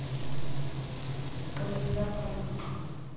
комиссар полиции